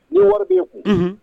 Ni wari b kun